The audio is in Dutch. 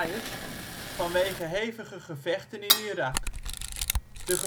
Myers, vanwege hevige gevechten in Irak. De